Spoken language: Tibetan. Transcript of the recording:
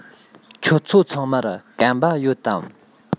ཁྱོད ཚོ ཚང མར སྐམ པ ཡོད དམ